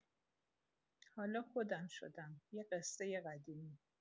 حالا خودم شدم یه قصۀ قدیمی.